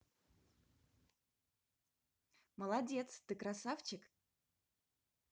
молодец ты красавчик